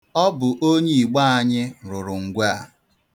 Ọ bụ onye Igbo anyị rụrụ ngwe a.